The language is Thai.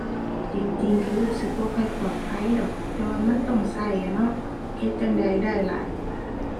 จริงจริงก็รู้สึกบ่ค่อยปลอดภัยดอก แต่ว่ามันต้องก็อะเนาะ เฮ็ดจั่งใดได้ล่ะ